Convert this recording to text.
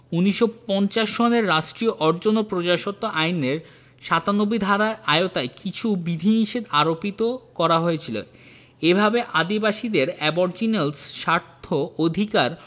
১৯৫০ সনের রাষ্ট্রীয় অর্জন ও প্রজাস্বত্ব আইনের ৯৭ ধারার আওতায় কিছু বিধিনিষেধ আরোপিত করা হয়েছে এভাবে আদিবাসীদের এবরজিনালস স্বার্থ অধিকার